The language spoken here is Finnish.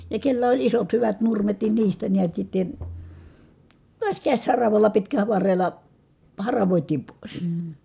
ja kenellä oli isot hyvät nurmet niin niistä näet sitten taas käsiharavalla pitkällä varrella haravoitiin pois